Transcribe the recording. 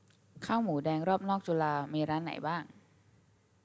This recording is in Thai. ข้าวหมูแดงรอบนอกจุฬามีร้านไหนบ้าง